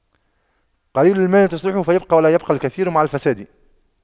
قليل المال تصلحه فيبقى ولا يبقى الكثير مع الفساد